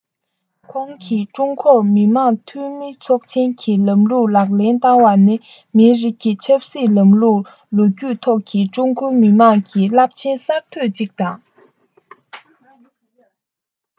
ཁོང གིས ཀྲུང གོར མི དམངས འཐུས མི ཚོགས ཆེན གྱི ལམ ལུགས ལག ལེན བསྟར བ ནི མིའི རིགས ཀྱི ཆབ སྲིད ལམ ལུགས ལོ རྒྱུས ཐོག གི ཀྲུང གོ མི དམངས ཀྱི རླབས ཆེའི གསར གཏོད ཅིག དང